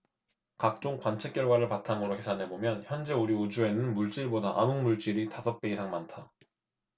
각종 관측 결과를 바탕으로 계산해 보면 현재 우리 우주에는 물질보다 암흑물질이 다섯 배 이상 많다